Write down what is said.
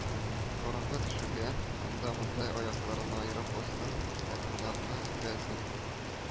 Караңгы төшүгә анда-монда аякларын аерып баскан хатыннарны күрәсең